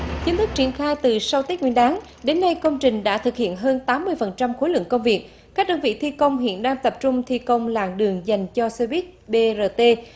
chính thức triển khai từ sau tết nguyên đán đến nay công trình đã thực hiện hơn tám mươi phần trăm khối lượng công việc các đơn vị thi công hiện đang tập trung thi công làn đường dành cho xe buýt bê rờ tê